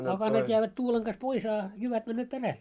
akanat jäävät tuulen kanssa pois a jyvät menevät perälle